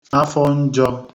afọnjọ̄